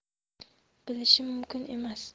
bo'lishi mumkin emas